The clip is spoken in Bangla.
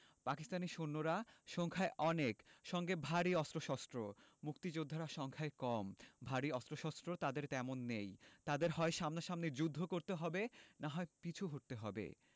পাকিস্তানি সৈন্যরা সংখ্যায় অনেক সঙ্গে ভারী অস্ত্রশস্ত্র মুক্তিযোদ্ধারা সংখ্যায় কম ভারী অস্ত্রশস্ত্র তাঁদের তেমন নেই তাঁদের হয় সামনাসামনি যুদ্ধ করতে হবে না হয় পিছু হটতে হবে